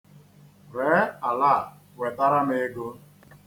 Ree ala a wetara m ego.